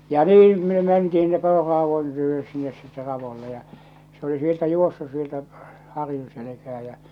ja niin me mentiin sinne poronraadon tykö sinne sitten raudoille ja se oli sieltä juossut sieltä harjun selkään ja